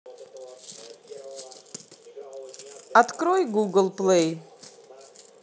открой гугл плей